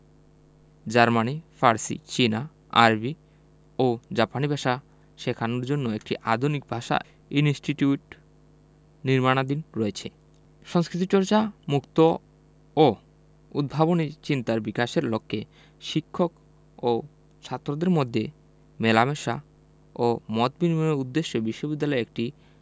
Germany ফরাসি চীনা আরবি ও জাপানি ভাষা শেখানোর জন্য একটি আধুনিক ভাষা ইনস্টিটিউট নির্মাণাধীন রয়েছে সংস্কৃতিচর্চা মুক্ত ও উদ্ভাবনী চিন্তার বিকাশের লক্ষ্যে শিক্ষক ও ছাত্রদের মধ্যে মেলামেশা ও মত বিনিময়ের উদ্দেশ্যে বিশ্ববিদ্যালয় একটি